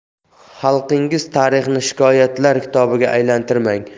xalqingiz tarixini shikoyatlar kitobiga aylantirmang